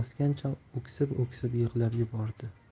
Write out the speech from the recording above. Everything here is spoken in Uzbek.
bosgancha o'ksib o'ksib yigl'ab yubordi